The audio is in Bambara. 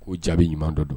O jaabi ɲuman dɔ don